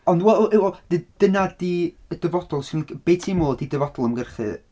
Ond w- w- wel dyna 'di y dyfodol 'swn i'n li... Be ti'n meddwl ydy dyfodol ymgyrchu?